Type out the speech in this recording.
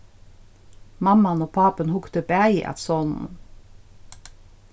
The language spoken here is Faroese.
mamman og pápin hugdu bæði at soninum